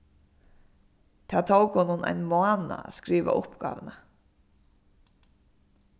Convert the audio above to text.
tað tók honum ein mánað at skriva uppgávuna